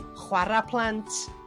chwara plant,